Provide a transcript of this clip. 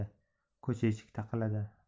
ko'cha eshik taqilladi